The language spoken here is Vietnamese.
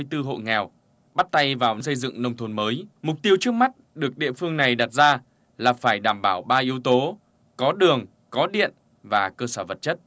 tư hộ nghèo bắt tay vào xây dựng nông thôn mới mục tiêu trước mắt được địa phương này đặt ra là phải đảm bảo ba yếu tố có đường có điện và cơ sở vật chất